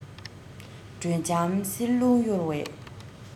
དྲོད འཇམ བསིལ རླུང གཡོ བའི